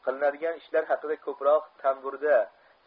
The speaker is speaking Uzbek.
qilinadigan ishlar haqida ko'proq tamburda